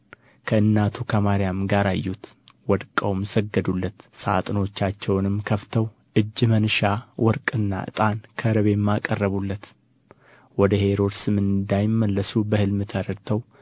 ከእናቱ ከማርያም ጋር አዩት ወድቀውም ሰገዱለት ሣጥኖቻቸውንም ከፍተው እጅ መንሻ ወርቅና ዕጣን ከርቤም አቀረቡለት ወደ ሄሮድስም እንዳይመለሱ በሕልም ተረድተው